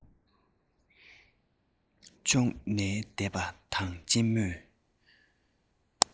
ཙོག ནས བསྡད པ དང གཅེན མོས